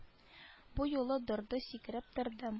Бу юлы дорды сикереп торды